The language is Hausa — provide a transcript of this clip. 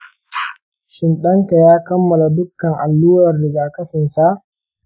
shin ɗanka ya kammala dukkan allurar rigakafinsa?